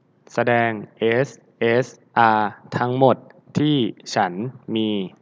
แสดงเอสเอสอาทั้งหมดที่ฉันมี